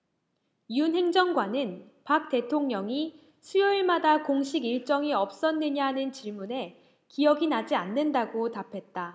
윤 행정관은 박 대통령이 수요일마다 공식일정이 없었느냐는 질문에 기억이 나지 않는다고 답했다